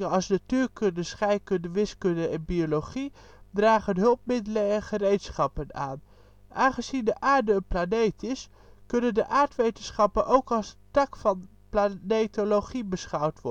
als natuurkunde, scheikunde, wiskunde en biologie dragen hulpmiddelen en gereedschappen aan. Aangezien de aarde een planeet is, kunnen de aardwetenschappen ook als een tak van de planetologie beschouwd worden